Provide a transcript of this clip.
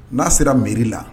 N'a sera miiriri la